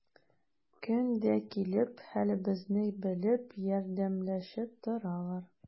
Көн дә килеп, хәлебезне белеп, ярдәмләшеп торалар.